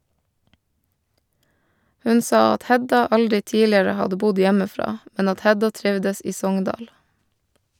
Hun sa at Hedda aldri tidligere hadde bodd hjemmefra, men at Hedda trivdes i Sogndal.